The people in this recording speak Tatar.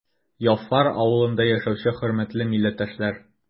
Яфар авылында яшәүче хөрмәтле милләттәшләр!